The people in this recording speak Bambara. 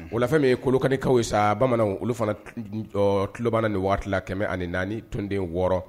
Wulafɛn ye kolonkanikaw ye sa bamananw olu fana tulobana nin waatila kɛmɛ ani naani tonden wɔɔrɔ